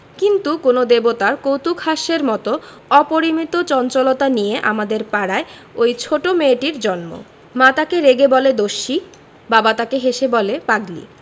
কিন্তু কোন দেবতার কৌতূকহাস্যের মত অপরিমিত চঞ্চলতা নিয়ে আমাদের পাড়ায় ঐ ছোট মেয়েটির জন্ম মা তাকে রেগে বলে দস্যি বাপ তাকে হেসে বলে পাগলি